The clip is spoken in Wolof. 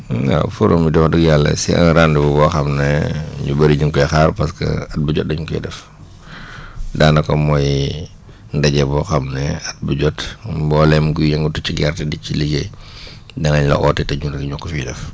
waaw forum bi de wax dëff yàlla c' est un rendez vous boo xam ne ñu bëri ñu ngi koy xaar parce que at bu jot dañ koy def daanaka mooy ndaje boo xam ne at bu jot mboolem kuy yëngatu ci gerte di ci liggéey danañ la oo te ñun rek ñoo ko fiy def